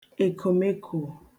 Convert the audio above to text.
èkòmekò